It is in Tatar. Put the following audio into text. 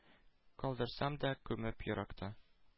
Калдырсам да күмеп еракта